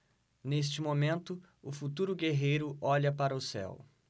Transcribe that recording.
neste momento o futuro guerreiro olha para o céu